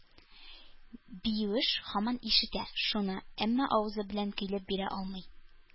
Биюш һаман ишетә шуны, әмма авызы белән көйләп бирә алмый.